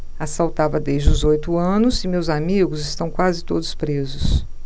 assaltava desde os oito anos e meus amigos estão quase todos presos